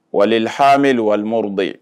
Walilhammel waliha mamuduba ye